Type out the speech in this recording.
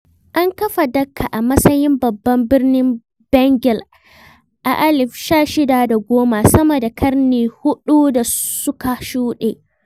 An kafa Dhaka a matsayin babban birnin Bengal a 1610, sama da ƙarni huɗu da suka shuɗe.